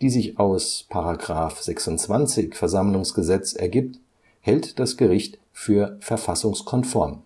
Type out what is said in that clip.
die sich aus § 26 VersammlG ergibt, hält das Gericht für verfassungskonform